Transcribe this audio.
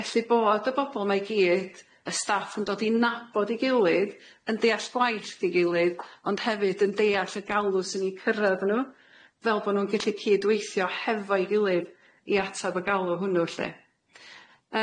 Felly bod y bobol yma i gyd, y staff yn dod i nabod 'i gilydd, yn deall gwaith 'i gilydd, ond hefyd yn deall y galw sy'n 'i cyrraedd nhw, fel bo' nhw'n gallu cydweithio hefo'i gilydd i atab y galw hwnnw lly.